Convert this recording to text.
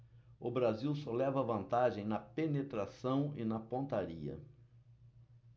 o brasil só leva vantagem na penetração e na pontaria